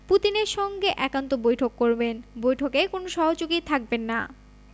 পুতিনের সঙ্গে একান্ত বৈঠক করবেন বৈঠকে কোনো সহযোগী থাকবেন না